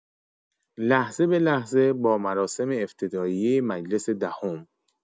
لحظه به لحظه با مراسم افتتاحیه مجلس دهم